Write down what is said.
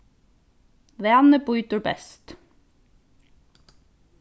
vani bítur best